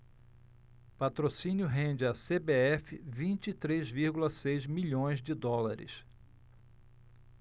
patrocínio rende à cbf vinte e três vírgula seis milhões de dólares